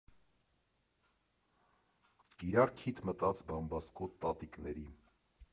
Իրար քիթ մտած բամբասկոտ տատիկների։